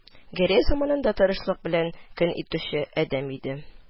Гәрәй заманында тырышлык белән көн итүче адәм иде